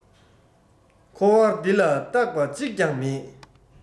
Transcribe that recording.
འཁོར བ འདི ལ རྟག པ གཅིག ཀྱང མེད